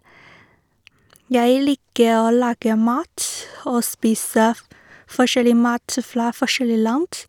Jeg liker å lage mat og spise f forskjellig mat fra forskjellig land.